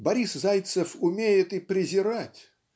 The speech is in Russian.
Борис Зайцев умеет и презирать